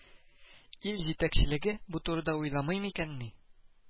Ил итәкчелеге бу турыда уйламый микәнни